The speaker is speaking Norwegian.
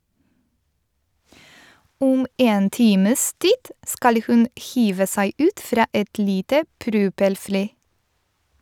Om en times tid skal hun hive seg ut fra et lite propellfly.